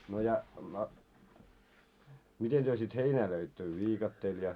no ja no miten te sitten heinää löitte viikatteella ja